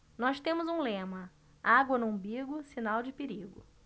nós temos um lema água no umbigo sinal de perigo